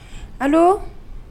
A